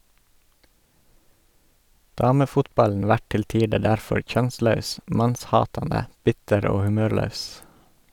Damefotballen vert til tider derfor kjønnslaus, mannshatande, bitter og humørlaus.